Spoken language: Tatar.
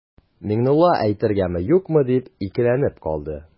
Миңнулла әйтергәме-юкмы дип икеләнеп калды.